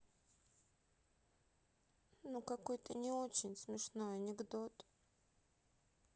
ну какой то не очень смешной анекдот